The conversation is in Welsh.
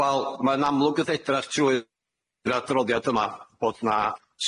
Wel ma'n amlwg wrth edrach trwy'r adroddiad yma bod 'na